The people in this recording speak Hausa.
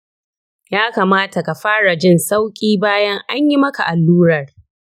ya kamata ka fara jin sauƙi bayan an yi maka allurar.